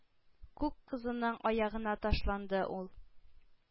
Күк кызының аягына ташланды ул.